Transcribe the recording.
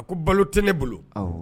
A ko balo tɛ ne bolo